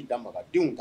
Dadenw